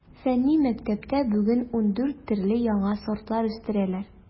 Фәнни мәктәптә бүген ундүрт төрле яңа сортлар үстерәләр.